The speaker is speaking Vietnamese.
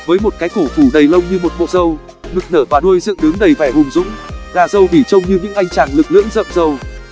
với một cái cổ phủ đầy lông như một bộ râu ngực nở và đuôi dựng đứng đầy vẻ hùng dũng gà râu bỉ trông như những anh chàng lực lưỡng rậm râu